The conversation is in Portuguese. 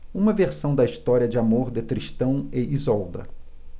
uma versão da história de amor de tristão e isolda